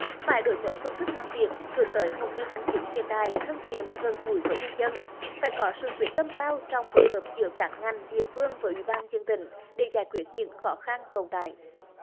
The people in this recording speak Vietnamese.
phải đổi mới phương thức làm việc hướng tới một nền hành chính hiện đại thân thiện gần gũi với nhân dân phải có sự quyết tâm cao trong phối hợp giữa các ngành địa phương với ủy ban nhân dân tỉnh để giải quyết những khó khăn tồn tại